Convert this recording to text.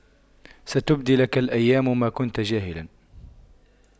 ستبدي لك الأيام ما كنت جاهلا